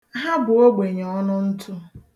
Ha bụ ogbenyeọnụntụ.